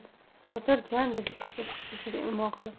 o'tir jiyan dedi eski kursiga imo qilib